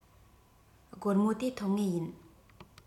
སྒོར མོ དེ ཐོབ ངེས ཡིན